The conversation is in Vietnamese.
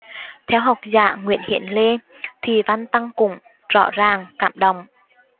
theo học giả nguyễn hiến lê thì văn tăng củng rõ ràng cảm động